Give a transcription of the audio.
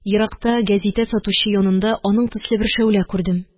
Еракта гәзитә сатучы янында аның төсле бер шәүлә күрдем